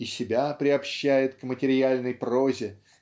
и себя приобщает к материальной прозе